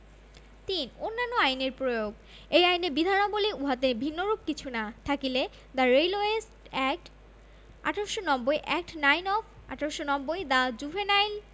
৩ অন্যান্য আইনের প্রয়োগঃ এই আইনের বিধানবলী উহাতে ভিন্নরূপ কিছু না থাকিলে the Railways Act ১৮৯০ Act nine of ১৮৯০ the juvenile